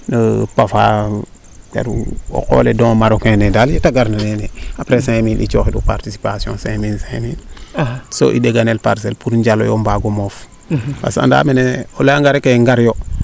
pafa o qol le daal don marocain ne daal yeete garna neene aprés cinq mille i cooxtu participation cinq mille soo i ndenga nel parcelle pour njalo yo mbaago moof parce que mene o leya nga rek e ngar yo